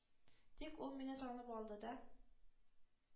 Тик... ул мине танып алды да